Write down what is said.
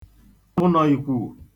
ụnọ īkwūù